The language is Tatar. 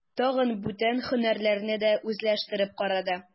Тагын бүтән һөнәрләрне дә үзләштереп карады.